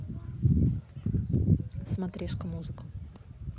смотрешка музыка